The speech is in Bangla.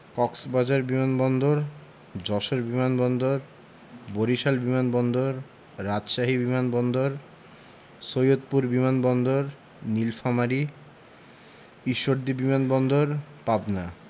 কক্সবাজার বিমান বন্দর যশোর বিমান বন্দর বরিশাল বিমান বন্দর রাজশাহী বিমান বন্দর সৈয়দপুর বিমান বন্দর নিলফামারী ঈশ্বরদী বিমান বন্দর পাবনা